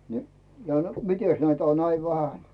niin ja mitenkäs näitä on näin vähän